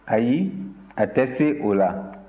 ayi a tɛ se o la